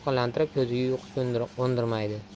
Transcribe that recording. xayolini to'lqinlantirib ko'ziga uyqu qo'ndirmaydi